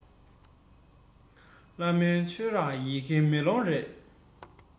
བླ མའི ཆོས རར ཡི གེ མེ ལོང རེད